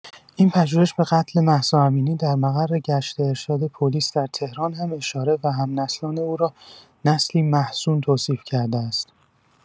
این پژوهش به قتل مهسا امینی در مقر گشت ارشاد پلیس در تهران هم اشاره و هم‌نسلان او را نسلی «محزون» توصیف کرده است.